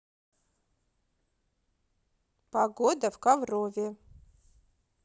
погода в коврове